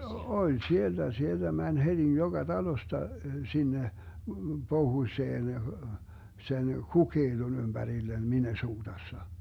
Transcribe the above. oli sieltä sieltä meni heti joka talosta sinne pohjoiseen sen Cokaton ympärille Minnesotassa